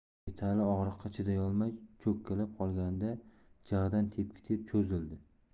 yigitali og'riqqa chidolmay cho'kkalab qolganida jag'idan tepki yeb cho'zildi